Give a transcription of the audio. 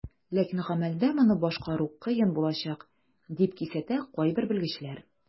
Ләкин гамәлдә моны башкару кыен булачак, дип кисәтә кайбер белгечләр.